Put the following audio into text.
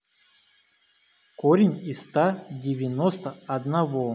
корень из ста девяносто одного